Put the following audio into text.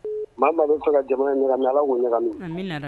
Ma o ma n'i bɛ fɛ ka jamana in ɲagami Ala k'o ɲagami